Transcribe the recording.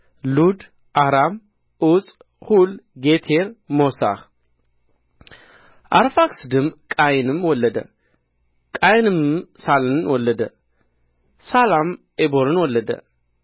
ሉድ አራም ዑፅ ሁል ጌቴር ሞሳሕ አርፋክስድም ቃይንምን ወለደ ቃይንምም ሳላን ወለደ ሳላም ዔቦርን ወለደ